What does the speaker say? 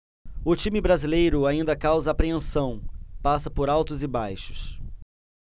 o time brasileiro ainda causa apreensão passa por altos e baixos